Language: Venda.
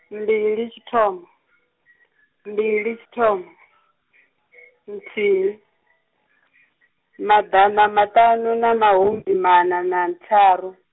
mbili tshithoma, mbili tshithoma, nthihi, maḓanamaṱanu na mahumimanna na ntharu.